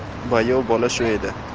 bayov bola shu edi